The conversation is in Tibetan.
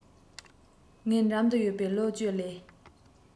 ངའི འགྲམ དུ ཡོད པ འི ལོ བཅུ ལས